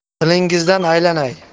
tilingizdan aylanay